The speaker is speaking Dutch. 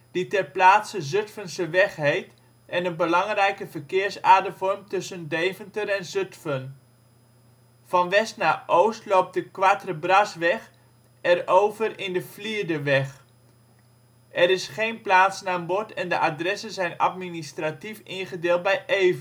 die ter plaatse Zutphenseweg heet en een belangrijke verkeersader vormt tussen Deventer en Zutphen. Van west naar oost loopt de Quatre Brasweg er over in de Flierderweg. Er is geen plaatsnaambord en de adressen zijn administratief ingedeeld bij